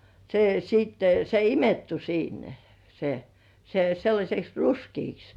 se sitten se imettyi siinä ja se se sellaiseksi ruskeaksi